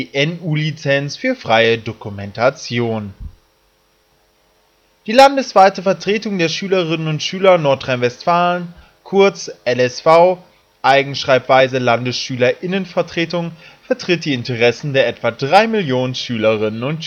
GNU Lizenz für freie Dokumentation. Die landesweite Vertretung der Schülerinnen und Schüler Nordrhein-Westfalen (kurz LSV, Eigenschreibweise LandesschülerInnenvertretung), vertritt die Interessen der etwa 3 Millionen Schülerinnen